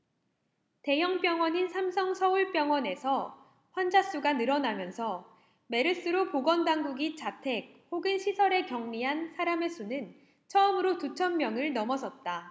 대형 병원인 삼성서울병원에서 환자수가 늘어나면서 메르스로 보건당국이 자택 혹은 시설에 격리한 사람의 수는 처음으로 두 천명을 넘어섰다